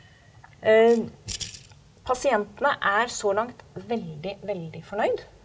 pasientene er så langt veldig veldig fornøyd.